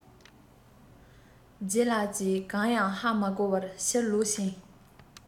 ལྗད ལགས ཀྱིས གང ཡང ཧ མ གོ བར ཕྱིར ལོག ཕྱིན